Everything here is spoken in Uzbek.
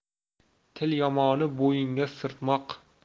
til yomoni bo'yinga sirtmoq